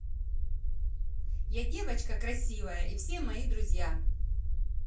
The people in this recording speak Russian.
я девочка красивая и все мои друзья